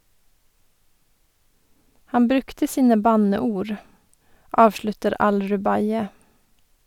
Han brukte sine banneord , avslutter al-Rubaie.